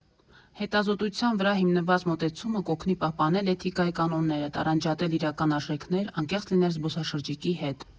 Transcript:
Հետազոտության վրա հիմնված մոտեցումը կօգնի պահպանել էթիկայի կանոնները, տարանջատել իրական արժեքներ, անկեղծ լինել զբոսաշրջիկի հետ։